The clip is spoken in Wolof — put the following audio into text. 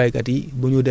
dafay am solo